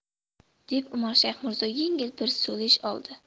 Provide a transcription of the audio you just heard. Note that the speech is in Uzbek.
deb umarshayx mirzo yengil bir so'lish oldi